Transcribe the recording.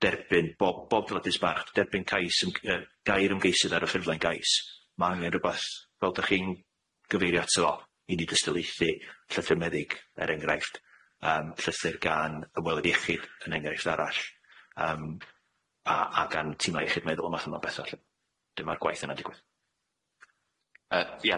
derbyn bob bob bach derbyn cais ym- yy gair ymgeisydd ar y ffurflen gais ma' angen rwbath fel dych chi'n gyfeirio ato fo i ni dystyleithu llythyr meddyg er enghraifft yym llythyr gan ymwelydd iechyd yn enghraifft arall yym a a gan tima iechyd meddwl math yma o betha lly 'dyn, ma'r gwaith yna'n digwydd.